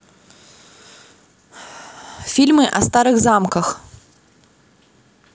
фильмы о старых замках